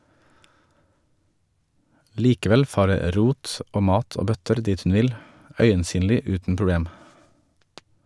Likevel farer rot og mat og bøtter dit hun vil, øyensynlig uten problem.